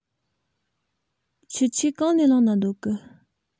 ཁྱེད ཆོས གང ནས བླངས ན འདོད གི